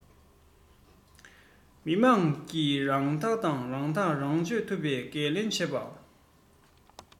མི དམངས ཀྱིས རང ཐག རང གཅོད ཐུབ པའི འགན ལེན བྱེད པ